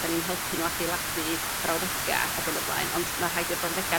'da ni'n helpu n'w adeiladu brawddega' ag yn y blaen ond ma' rhaid i'r brawddega' na